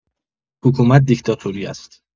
حکومت دیکتاتوری است